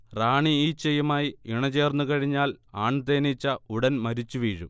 റാണിഈച്ചയുമായി ഇണചേർന്നുകഴിഞ്ഞാൽ ആൺ തേനീച്ച ഉടൻ മരിച്ചുവീഴും